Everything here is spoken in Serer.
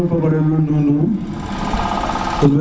nuno fogole lul ndunuur